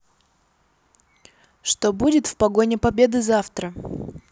что будет в погоне победы завтра